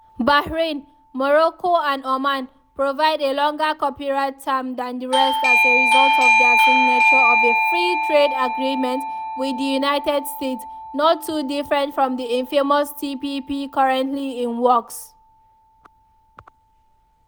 Bahrain, Morocco, and Oman provide a longer copyright term than the rest as a result of their signature of a free trade agreement with the United States, not too different from the infamous TPP currently in the works.